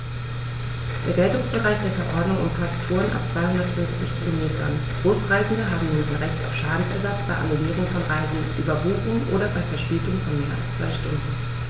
Der Geltungsbereich der Verordnung umfasst Touren ab 250 Kilometern, Busreisende haben nun ein Recht auf Schadensersatz bei Annullierung von Reisen, Überbuchung oder bei Verspätung von mehr als zwei Stunden.